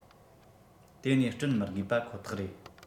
དེ ནས བསྐྲུན མི དགོས བ ཁོ ཐག རེད